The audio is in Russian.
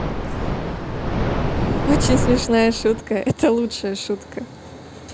очень смешная шутка это лучшая шутка